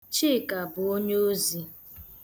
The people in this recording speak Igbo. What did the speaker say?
Chika bụ onyeozi.